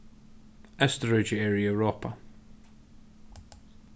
eysturríki er í europa